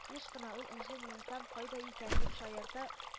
Еш кына ул: энҗе муенсам кайда икән?—дип шаярта